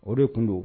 O de tun don